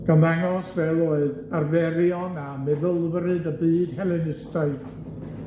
gan ddangos fel oedd arferion a meddylfryd y byd Helenistaidd